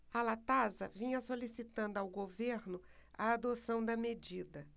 a latasa vinha solicitando ao governo a adoção da medida